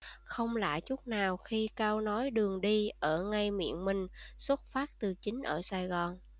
không lạ chút nào khi câu nói đường đi ở ngay miệng mình xuất phát từ chính ở sài gòn